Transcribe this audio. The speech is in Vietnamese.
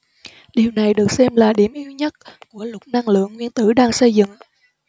điều này được xem là điểm yếu nhất của luật năng lượng nguyên tử đang xây dựng